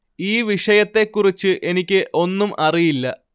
ഈ വിഷയത്തെക്കുറിച്ച് എനിക്ക് ഒന്നും അറിയില്ല